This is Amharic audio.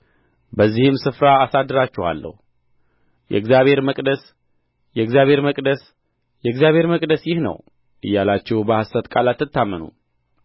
በዚህም ስፍራ አሳድራችኋለሁ የእግዚአብሔር መቅደስ የእግዚአብሔር መቅደስ የእግዚአብሔር መቅደስ ይህ ነው እያላችሁ በሐሰት ቃል አትታመኑ